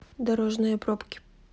дорожные пробки